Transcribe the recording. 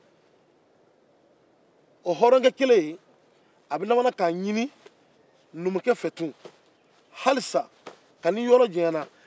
o hɔrɔnkɛ kelen bɛ tila k'a ɲini numukɛ fɛ tun hali sisan kana i yɔrɔ janya n na